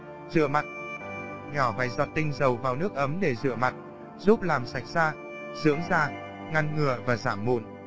rửa mặt nhỏ vài giọt tinh dầu vào nước ấm để rửa mặt giúp làm sạch da dưỡng da ngăn ngừa và giảm mụn